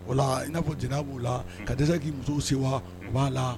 O laa i n'a fɔ jɛnaya b'o la ka dɛsɛ k'i musow sewa unhun o b'a la